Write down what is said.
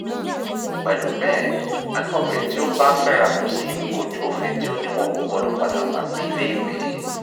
Pẹ̀lú bẹ́ẹ̀, akẹ́kọ̀ọ́bìnrin tí ó bá fẹ́rakù ṣì ń kojú òfin tí ó ní wọn kò gbọdọ̀ padà wá sílé ìwé.